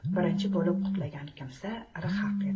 birinchi bo'lib qutlagan kimsa rhaq edi